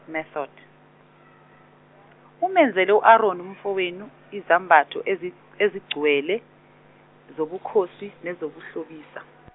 method , umenzele u Aroni umfowenu izambatho ezi ezigcwele zobukhosi nezokuhlobisa.